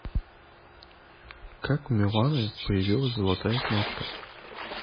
как у миланы появилась золотая кнопка